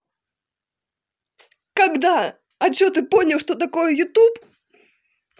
когда а че ты понял что такое youtube